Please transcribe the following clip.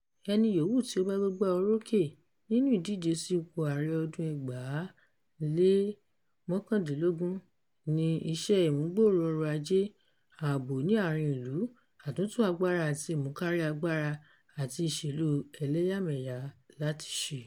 Ẹni yòówù tí ó bá gbégbá-orókè nínú ìdíje sí ipò ààrẹ ọdún 2019 ní iṣẹ́ ìmúgbòòrò ọrọ̀ Ajé, ààbò ní àárín ìlú, àtúntò agbára àti ìmúkárí agbára, àti ìṣèlú elẹ́yàmẹyà làti ṣe.